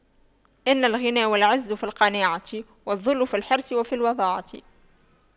إن الغنى والعز في القناعة والذل في الحرص وفي الوضاعة